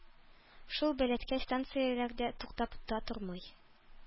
Шул бәләкәй станцияләрдә туктап та тормый.